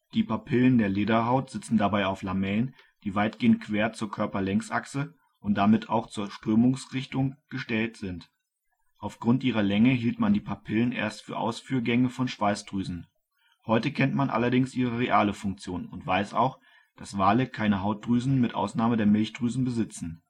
Die Papillen der Lederhaut sitzen dabei auf Lamellen, die weitgehend quer zur Körperlängsachse und damit auch zur Strömungsrichtung gestellt sind. Aufgrund ihrer Länge hielt man die Papillen erst für Ausführgänge von Schweißdrüsen. Heute kennt man allerdings ihre reale Funktion und weiß auch, dass Wale keine Hautdrüsen mit Ausnahme der Milchdrüsen besitzen